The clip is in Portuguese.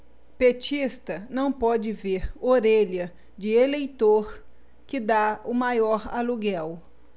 petista não pode ver orelha de eleitor que tá o maior aluguel